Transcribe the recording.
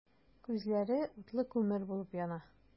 Күзләре утлы күмер булып яна.